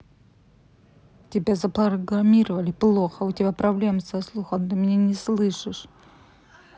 тебя запрограммировали плохо у тебя проблема со слухом ты меня не слышишь